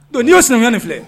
N'i' sinaɲɔgɔnin filɛ